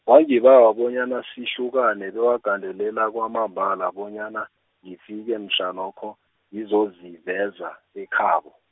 wangibawa bonyana sihlukane bewagandelela kwamambala bonyana, ngifike mhlanokho, ngizoziveza ekhabo.